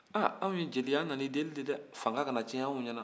a anw ye jeli ye an nana i deeli fanga kana tiɲɛ anw ɲɛna